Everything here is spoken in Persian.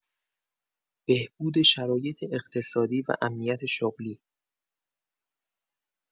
بهبود شرایط اقتصادی و امنیت شغلی